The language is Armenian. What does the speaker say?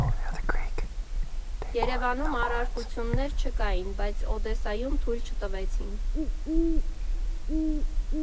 Երևանում առարկություններ չկային, բայց Օդեսայում թույլ չտվեցին»։